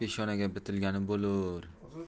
peshonaga bitilgani bo'lur